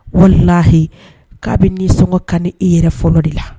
Walahi k'a bɛ nisɔngɔ kan i yɛrɛ fɔlɔ de la